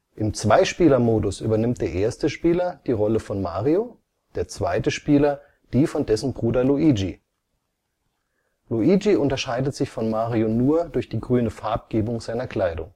Im Zweispieler-Modus übernimmt der erste Spieler die Rolle von Mario, der zweite die von dessen Bruder Luigi. Luigi unterscheidet sich von Mario nur durch die grüne Farbgebung seiner Kleidung